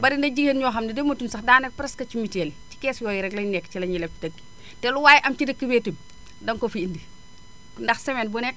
bari na jigéen ñoo xam ne dematuñu sax daanaka presque ci mutuel yi ci kees yooyu rek lañu nekk ci la ñuy leb dëgg te lu waay am ci dëkk bee itam danga ko fi indi ndax semaine bu nekk